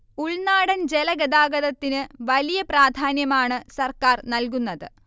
ഉൾനാടൻ ജലഗതാഗതത്തിന് വലിയ പ്രാധാന്യമാണ് സർക്കാർ നൽകുന്നത്